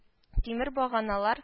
Тимер баганалар